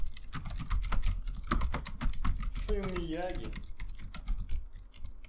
сын miyagi